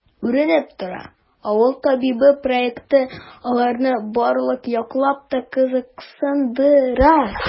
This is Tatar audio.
Күренеп тора,“Авыл табибы” проекты аларны барлык яклап та кызыксындыра.